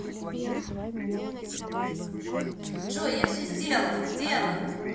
джой я все сделал сделано